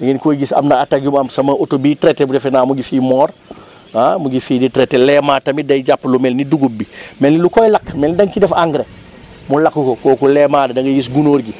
da ngeen koy gis am na attaque yu ma am sama oto biy traité bu defe naa mu ngi fii Mor ah mu ngi fii di traité léma tamit day jàpp lu mel ni dugub bi mel ni lu koy lakk mel ni da nga ci def engrais mu lakk ko kooku léma da ngay gis gunóor gi